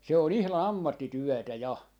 se on ihan ammattityötä ja